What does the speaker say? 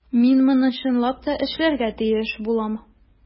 Мин моны чынлап та эшләргә тиеш булам.